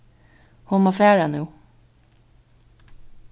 hon má fara nú